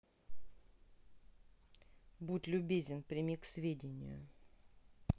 будь любезен прими к сведению